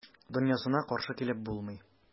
Дөньясына каршы килеп булмый.